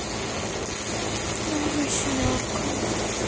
новая семерка